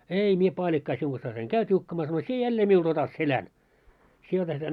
ei minä paalikkaa sinun kanssasi en käy tiukkamaan sanoin sinä jälleen minulle otat selän sinä otat selän